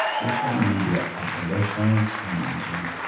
Social media and elections in Nigeria